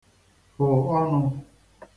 -hù ọnụ̄